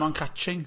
Ma'n catching.